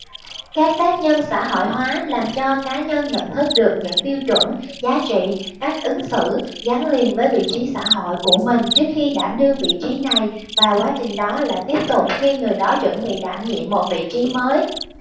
các tác nhân xã hội hóa làm cho cá nhân nhận thức được những tiêu chuẩn giá trị cách ứng xử gắn liền với vị trí xã hội của mình trước khi đảm đương vị trí này và quá trình đó lại tiếp tục khi người đó chuẩn bị đảm nhiệm một vị trí mới